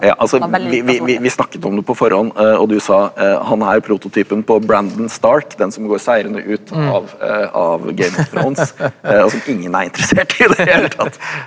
ja altså vel vi vi vi snakket om det på forhånd og du sa han er prototypen på Brandon Stark, den som går seirende ut av av Game of Thrones og som ingen er interessert i det hele tatt.